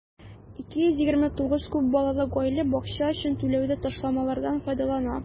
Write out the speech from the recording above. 229 күп балалы гаилә бакча өчен түләүдә ташламалардан файдалана.